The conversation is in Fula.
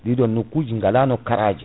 ɗiɗon nokkuji galano karaje